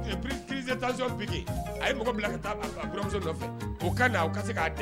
A kun ye crise de tension pique a ye mɔgɔ bila ka taa a buranmuso nɔfɛ o ka na , o ka se ka dɛmɛ